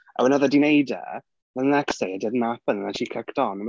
A wedyn oedd e 'di wneud e and then the next day it didn't happen and then she kicked on.